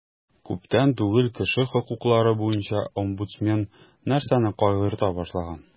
Күптән түгел кеше хокуклары буенча омбудсмен нәрсәне кайгырта башлаган?